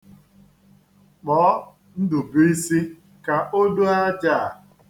Kpọọ Ndubuisi ka o doo aja a.